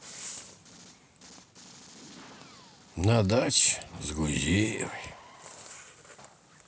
на даче с гузеевой